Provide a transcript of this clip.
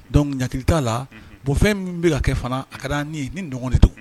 Dɔnkuc jatigi t'a la bon fɛn min bɛ ka kɛ fana a ka ni ye ni dɔgɔninɔni to